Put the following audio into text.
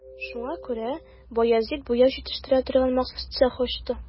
Шуңа күрә Баязит буяу җитештерә торган махсус цех ачты.